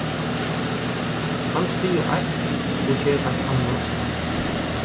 hann sigur eitt og ger eitt annað